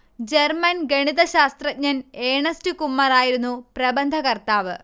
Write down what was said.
German ഗണിതശാസ്ത്രജ്ഞൻ Ernst കുമ്മറായിരുന്നു പ്രബന്ധകർത്താവ്